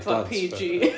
fatha PG